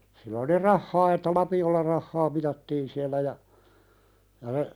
sillä oli rahaa että lapiolla rahaa mitattiin siellä ja ja se